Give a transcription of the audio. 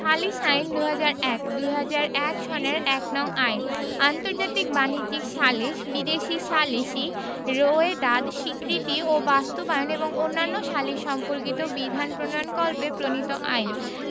সালিস আইন ২০০১ ২০০১ সনের ১নং আইন আন্তর্জাতিক বাণিজ্যিক সালিস বিদেশী সালিসী রোয়েদাদ স্বীকৃতি ও বাস্তবায়ন এবং অন্যান্য সালিস সম্পর্কিত বিধান প্রণয়নকল্পে প্রণীত আইন